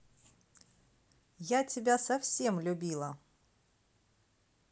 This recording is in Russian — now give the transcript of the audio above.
я тебя совсем любила